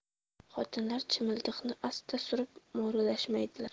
xotinlar chimildiqni asta surib mo'ralamaydilar